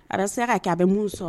A bɛ se ka kɛ a bɛ mun sɔrɔ.